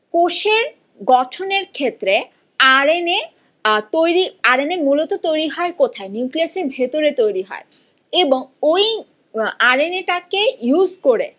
কোষের গঠন এর ক্ষেত্রে আর এন এ তৈরি আরে না মূলত তৈরি হয় কোথায় নিউক্লিয়াস এর ভেতরে তৈরি হয় এবং ওই আরএনএ টা কে ইউস করে